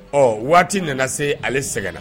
Ɔ waati nana se ale sɛgɛnna